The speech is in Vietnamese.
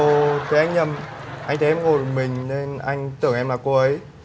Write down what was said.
ồ thế anh nhầm anh thấy em ngồi một mình nên anh tưởng em là cô ấy